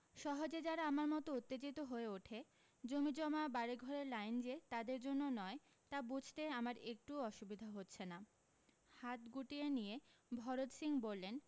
সহজে যারা আমার মতো উত্তেজিত হয়ে ওঠে জমিজমা বাড়ী ঘরের লাইন যে তাদের জন্য নয় তা বুঝতে আমার একটুও অসুবিধা হচ্ছে না হাত গুটিয়ে নিয়ে ভরত সিং বললেন